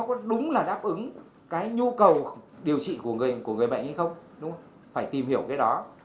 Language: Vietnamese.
nó có đúng là đáp ứng cái nhu cầu điều trị của người của người bệnh hay không đúng không phải tìm hiểu cái đó